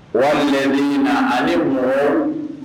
Waminiyan ani ni mɔgɔ